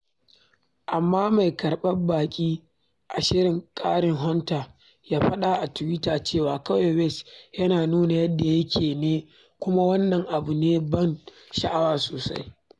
Amma mai karɓar baƙi a shirin Karen Hunter ya faɗa a Twitter cewa kawai West "yana nuna yadda yake ne kuma wannan abu ne ban sha'awa sosai."